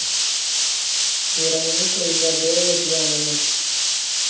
вероника изабелла диана